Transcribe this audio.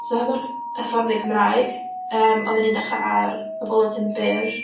So hefo'r hyfforddi Cymraeg, yym, oedden ni'n dechrau ar y bwletin byr.